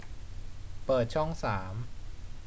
เปิดช่องสาม